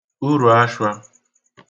uru ashwā